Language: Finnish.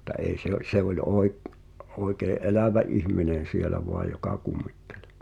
mutta ei se - se oli - oikein elävä ihminen siellä vain joka kummitteli